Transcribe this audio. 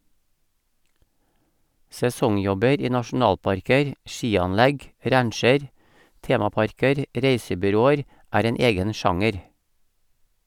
Sesongjobber i nasjonalparker, skianlegg, rancher, temaparker, reisebyråer er en egen sjanger.